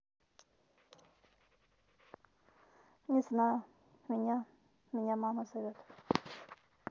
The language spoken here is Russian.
не знаю меня меня мама зовет